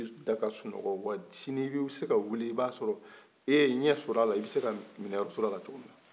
i bi da ka sunɔgɔ wa sini i bi se ka wili i ba sɔrɔ e ye ɲɛ sɔrɔ la i bi se ka minɛ yɔrɔla cogo min na